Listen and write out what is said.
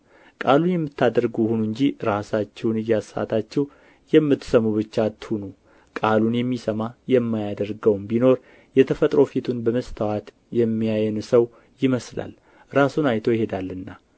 ቃሉን የምታደርጉ ሁኑ እንጂ ራሳችሁን እያሳታችሁ የምትሰሙ ብቻ አትሁኑ ቃሉን የሚሰማ የማያደርገውም ቢኖር የተፈጥሮ ፊቱን በመስተዋት የሚያይን ሰው ይመስላል ራሱን አይቶ ይሄዳልና